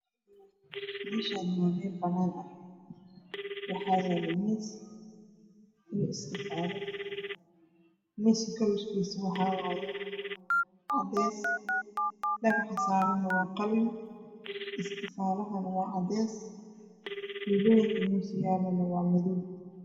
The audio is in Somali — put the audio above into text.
Meshaan wa meel banaan ah waxaa yaalo miis iyo iskifaalo miiska kalarkiisa waxaa waaye cadeys wxa saarane wa qalin iskafalahane wa cadeys filooyiinka mesha yaalane wa madoow